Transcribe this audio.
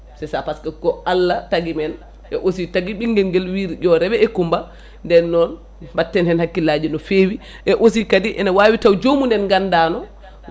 c' ça par ce que ko Allah tagui men e aussi tagui ɓinguel nguel wiide yo rew e Coumba nden noon batten hen hakkillaji no fewi e aussi kadi ene wawi taw jomumen gandano